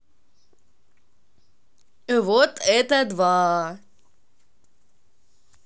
вот это два